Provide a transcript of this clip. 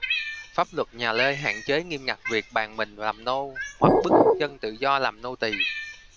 pháp luật nhà lê hạn chế nghiêm ngặt việc bàn mình làm nô hoặc bức dân tự do làm nô tì